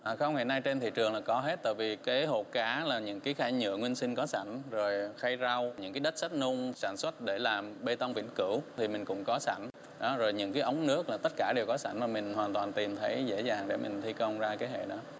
à không hiện nay trên thị trường là có hết tại vì cái hộp cá là những cái khay nhựa nguyên sinh có sẵn rồi khay rau những cái đất sét nung sản xuất để làm bê tông vĩnh cửu thì mình cũng có sẵn đó rồi những cái ống nước là tất cả đều có sẵn và mình hoàn toàn tìm thấy dễ dàng để mình thi công ra cái hệ đó